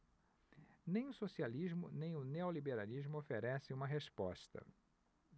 nem o socialismo nem o neoliberalismo oferecem uma resposta